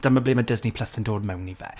Dyma ble ma' Disney Plus yn dod mewn i fe.